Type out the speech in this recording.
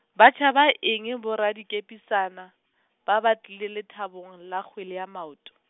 ba tšhaba eng e boradikepisana , ba ba tlileng lethabong la kgwele ya maoto.